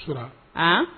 Sera a